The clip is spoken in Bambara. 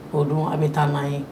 O dun a bɛ taa n'an ye